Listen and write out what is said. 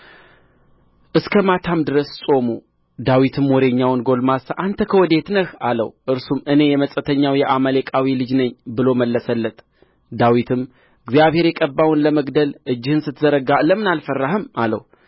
እስከ ማታም ድረስ ጾሙ ዳዊትም ወሬኛውን ጕልማሳ አንተ ከወዴት ነህ አለው እርሱም እኔ የመጻተኛው የአማሌቃዊው ልጅ ነኝ ብሎ መለሰለት ዳዊትም እግዚአብሔር የቀባውን ለመግደል እጅህን ስትዘረጋ ለምን አልፈራህም አለው